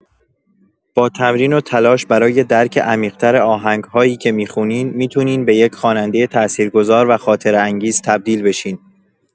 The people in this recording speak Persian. با تمرین و تلاش برای درک عمیق‌تر آهنگ‌هایی که می‌خونین، می‌تونین به یک خواننده تاثیرگذار و خاطره‌انگیز تبدیل بشین.